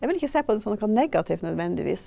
jeg vil ikke se på det som noe negativt nødvendigvis.